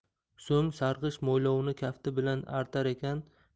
so'ng sarg'ish mo'ylovini kafti bilan artar ekan